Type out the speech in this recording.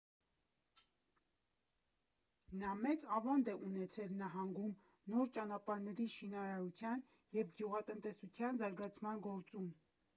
Նա մեծ ավանդ է ունեցել նահանգում նոր ճանապարհների շինարարության և գյուղատնտեսության զարգացման գործում։